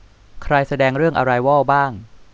ใครแสดงเรื่องอะไรวอลบ้าง